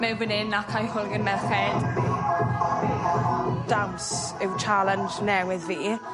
mewn fan 'yn a cael hwyl gyda merched. Dawns yw challenge newydd fi.